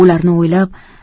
ularni o'ylab